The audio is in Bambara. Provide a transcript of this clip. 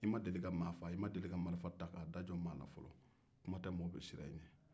i ma deli ka maa faa i ma deli ka marifa da jo maa na fɔlɔ kua ma tɛ maaw ka siran i ɲɛ